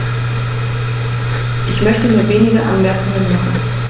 Ich möchte nur wenige Anmerkungen machen.